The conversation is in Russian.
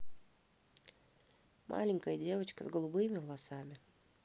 маленькая девочка с голубыми волосами